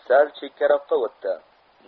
sal chekkaroqka o'tdi